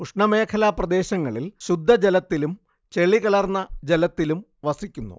ഉഷ്ണമേഖലാ പ്രദേശങ്ങളിൽ ശുദ്ധജലത്തിലും ചെളികലർന്ന ജലത്തിലും വസിക്കുന്നു